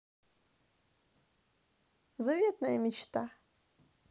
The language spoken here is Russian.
заветная мечта